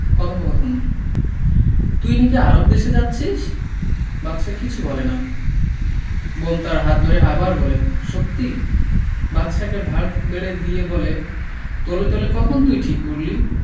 কথোপকথন তুই নাকি আরব দেশে যাচ্ছিস বাদশা কিছু বলে না বোন তার হাত ধরে আবার বলে সত্যি বাদশাকে ভাত বেড়ে দিয়ে বলে তলে তলে কখন তুই ঠিক করলি